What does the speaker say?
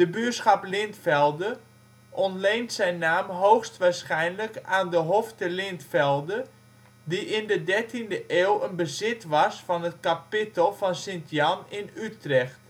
buurschap Lintvelde ontleent zijn naam hoogstwaarschijnlijk aan de hof te Lintvelde, die in de 13e eeuw een bezit was van het kapittel van Sint Jan in Utrecht